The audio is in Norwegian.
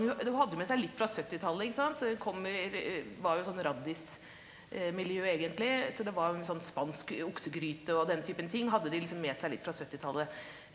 hu hun hadde med seg litt fra syttitallet, ikke sant, så hun kommer var jo sånn raddismiljø egentlig, så det var jo en sånn spansk oksegryte og den typen ting hadde de liksom med seg litt fra syttitallet.